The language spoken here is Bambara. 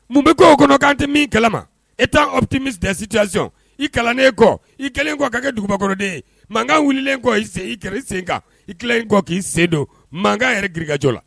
Mun bɛ ko kɔnɔ kan tɛ min kala ma e t taa awti misicson i kalannen kɔ i kelen kɔ ka kɛ dugubakɔrɔden ye mankan wulilen kɔ i sen i kɛra sen kan i kɔ k'i sen don mankan yɛrɛ gkajɔ la